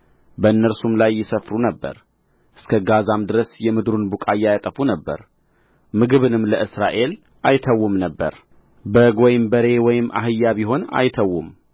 በእነርሱም ላይ ይሰፍሩ ነበር እስከ ጋዛም ድረስ የምድሩን ቡቃያ ያጠፉ ነበር ምግብንም ለእስራኤል አይተዉም ነበር በግ ወይም በሬ ወይም አህያ ቢሆን አይተዉም